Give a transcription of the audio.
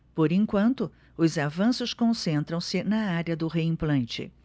por enquanto os avanços concentram-se na área do reimplante